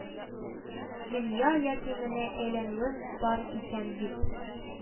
Дөнья ятименә әйләнүең бар икән бит...